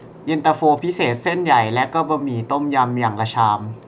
เย็นตาโฟพิเศษเส้นใหญ่และก็บะหมี่ต้มยำอย่างละชาม